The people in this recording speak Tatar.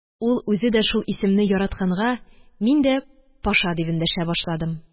Ул үзе дә шул исемне яратканга, мин дә Паша дип эндәшә башладым